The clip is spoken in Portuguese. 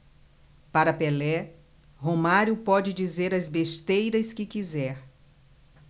para pelé romário pode dizer as besteiras que quiser